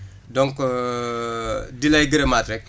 donc dilay gërëmaat rek